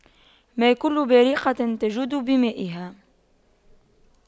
ما كل بارقة تجود بمائها